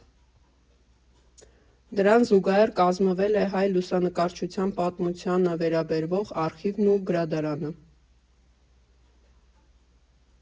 Դրան զուգահեռ կազմվել է հայ լուսանկարչության պատմությանը վերաբերող արխիվն ու գրադարանը։